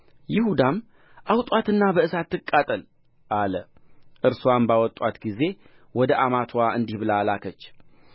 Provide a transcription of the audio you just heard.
ይሁዳም አውጡአትና በእሳት ትቃጠል አለ እርስዋም ባወጡአት ጊዜ ወደ አማትዋ እንዲህ ብላ ላከች